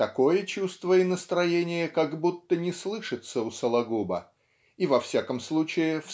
Такое чувство и настроение как будто не слышится у Сологуба. И во всяком случае